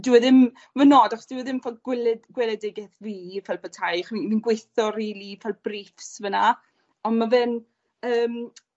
n- dyw e ddim ma'n od achos dyw e ddim fel gileth- gweledigeth fi ffel petai. Ch'm' fi'n gweitho rili fel briefs fan 'na. Yym.